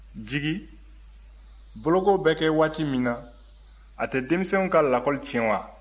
jigi boloko bɛ kɛ waati min na a tɛ denmisɛnw ka lakɔli tiɲɛ wa